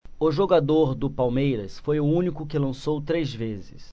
o jogador do palmeiras foi o único que lançou três vezes